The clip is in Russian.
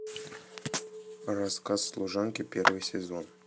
рассказ служанки первый сезон